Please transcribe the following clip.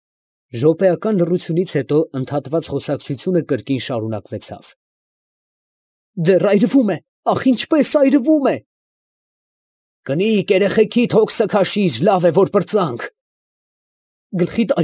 Րոպեական լռությունից հետո ընդհատված խոսակցությունը կրկին շարունակվեցավ. ֊ Դեռ այրվում է… ա՜խ, ինչպես այրվում է… ֊ Կնիկ, երեխերքիդ հոգսը քաշիր… լավ է, որ պրծանք…։ ֊ Գլխիդ։